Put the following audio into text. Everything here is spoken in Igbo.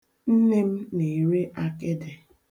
Nne m na-ere akịdị.